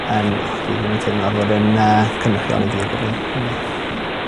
yn o dwi ddim yn teimlo fod e'n yy cynrychiol i fi o gwbl. 'Cw ni.